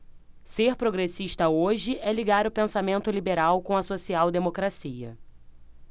ser progressista hoje é ligar o pensamento liberal com a social democracia